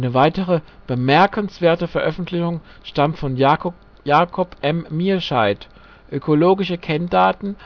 weitere bemerkenswertete Veröffentlichungen stammt von Jakob M. Mierscheid (" Ökologische Kenndaten